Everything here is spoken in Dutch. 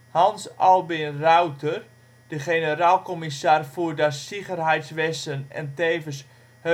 Hanns Albin Rauter, de Generalkommissar für das Sicherheitswesen en tevens Höhere